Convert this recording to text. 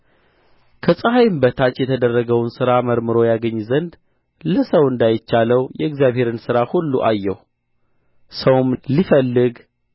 ከፀሐይም በታች የተደረገውን ሥራ መርምሮ ያገኝ ዘንድ ለሰው እንዳይቻለው የእግዚአብሔርን ሥራ ሁሉ አየሁ ሰውም ሊፈልግ